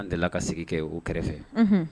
Delila ka sigi kɛ o kɛrɛfɛ